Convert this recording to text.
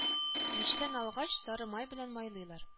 Мичтән алгач, сары май белән майлыйлар